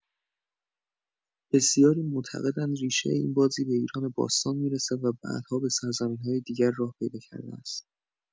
بسیاری معتقدند ریشه این بازی به ایران باستان می‌رسد و بعدها به سرزمین‌های دیگر راه پیدا کرده است.